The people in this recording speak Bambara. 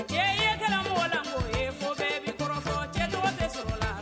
Cɛ ye ga mɔgɔ la ye kokɛ minkɔrɔ cɛ sogo la